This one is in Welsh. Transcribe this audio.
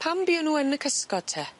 Pam buon nw yn y cysgod te?